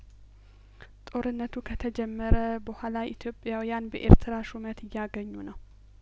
ጦርነቱ ከተጀመረ በኋላ ኢትዮጵያውያን በኤርትራ ሹመት እያገኙ ነው